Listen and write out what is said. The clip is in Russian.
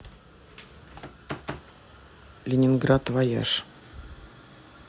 ленинград вояж